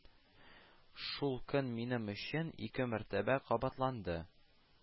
Шул көн минем өчен ике мәртәбә кабатланды